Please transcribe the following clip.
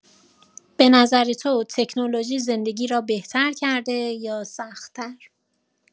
به نظر تو تکنولوژی زندگی را بهتر کرده یا سخت‌تر؟